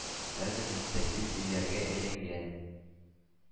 Хәзер мөстәкыйль илләргә әйләнгән